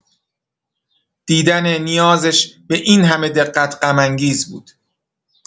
دیدن نیازش به این‌همه دقت غم‌انگیز بود.